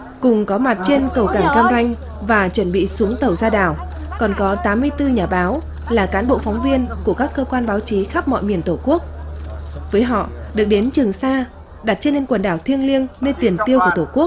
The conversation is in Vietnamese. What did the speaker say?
cùng có mặt trên cầu cảng cam ranh và chuẩn bị xuống tàu ra đảo còn có tám mươi tư nhà báo là cán bộ phóng viên của các cơ quan báo chí khắp mọi miền tổ quốc với họ được đến trường sa đặt chân lên quần đảo thiêng liêng nơi tiền tiêu của tổ quốc